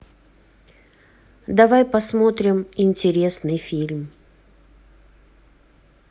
давай посмотрим интересный фильм